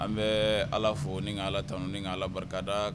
An bɛ Ala fo ni ka Ala tannu ni ka Ala barika da.